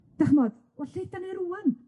'Dach ch'mod, wel lle 'dan ni rŵan?